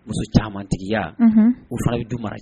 Muso caman tigiya u fana ye du mara